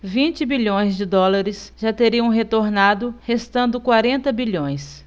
vinte bilhões de dólares já teriam retornado restando quarenta bilhões